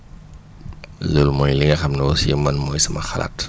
loolu mooy li nga xam ne aussi man mooy sama xalaat